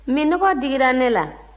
minnɔgɔ digira ne la